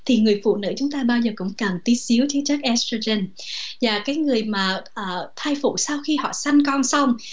thì người phụ nữ chúng ta bao giờ cũng càng tí xíu chứ chất ét so gien và cái người mà ở thai phụ sau khi họ sanh con xong